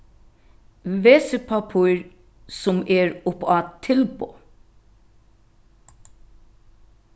vesipappír sum er upp á tilboð